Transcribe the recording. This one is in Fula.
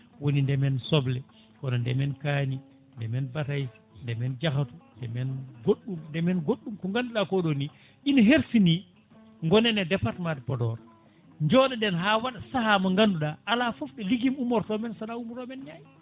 woni ndeemen soble kono ndeemen kaani ndeemen batayse ndeemen jahatu ndeemen goɗɗum ndeemen goɗɗum ko ganduɗa koɗoni ina hersini gonen e département de Podor joɗoɗen ha waɗa saaha mo ganduɗa ala foof ɗo lijume ummorten men sowona ummormen Niay